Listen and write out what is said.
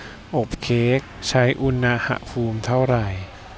อบเค้กใช้อุณหภูมิเท่าไหร่